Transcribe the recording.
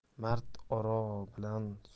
mard oro bilan